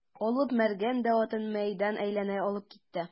Алып Мәргән дә атын мәйдан әйләнә алып китте.